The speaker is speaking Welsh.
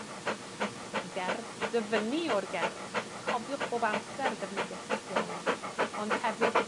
y gerdd, dyfynnu o'r gerdd, felly cofiwch bob amser ddefnyddio tystioleth ond hefyd